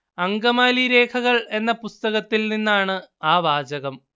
അങ്കമാലി രേഖകൾ എന്ന പുസ്തകത്തിൽ നിന്നാണ് ആ വാചകം